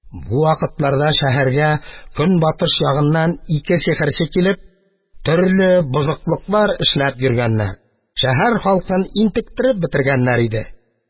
Бу вакытларда шәһәргә Көнбатыш ягыннан ике сихерче килеп, төрле бозыклыклар эшләп йөргәннәр, шәһәр халкын интектереп бетергәннәр иде.